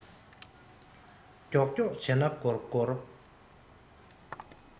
མགྱོགས མགྱོགས བྱས ན འགོར འགོར